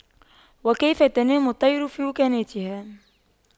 وكيف تنام الطير في وكناتها